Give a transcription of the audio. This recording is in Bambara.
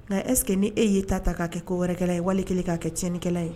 Nka ɛsseke ni e y'i ta k'a kɛ ko wɛrɛkɛla ye wali kelen k'a kɛcɲɛnkɛla ye